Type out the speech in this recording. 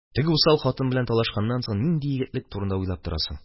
Теге усал хатын белән талашканнан соң, нинди егетлек турында уйлап торасың ди?